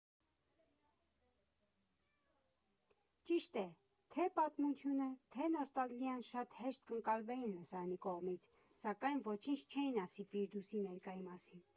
Ճիշտ է, թե՛ պատմությունը, թե՛ նոստալգիան շատ հեշտ կընկալվեին լսարանի կողմից, սակայն ոչինչ չէին ասի Ֆիրդուսի ներկայի մասին։